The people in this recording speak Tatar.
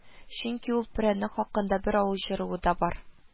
Чөнки ул перәннек хакында бер авыл җыруы да бар